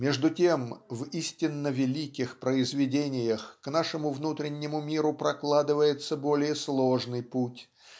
Между тем в истинно великих произведениях к нашему внутреннему миру прокладывается более сложный путь